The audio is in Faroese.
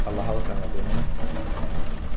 allahalgannadegnum